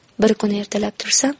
bir kuni ertalab tursam